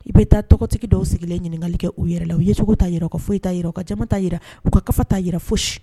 I bɛ taa tɔgɔtigi dɔw sigilen ɲininkali kɛ u yɛrɛ yɛlɛ la u ye sogo ta yɛrɛ ka foyi i ta yɔrɔ ka ca ta jira u ka ka ta jira fosi